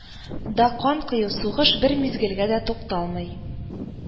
Да кан кою, сугыш бер мизгелгә дә тукталмый